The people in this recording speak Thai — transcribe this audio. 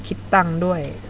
คิดตังค์ด้วย